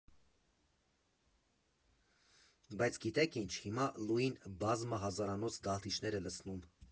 Բայց գիտե՞ք ինչ, հիմա Լուին բազմահազարանոց դահլիճներ է լցնում։